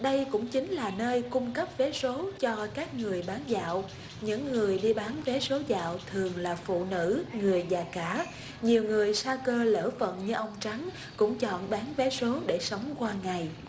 đây cũng chính là nơi cung cấp vé số cho các người bán dạo những người đi bán vé số dạo thường là phụ nữ người già cả nhiều người sa cơ lỡ vận như ông trắng cũng chọn bán vé số để sống qua ngày